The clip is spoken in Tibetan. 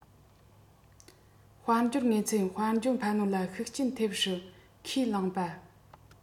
དཔལ འབྱོར དངོས ཚན དཔལ འབྱོར འཕར སྣོན ལ ཤུགས རྐྱེན ཐེབས སྲིད ཁས བླངས པ